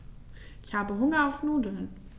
Ich habe Hunger auf Nudeln.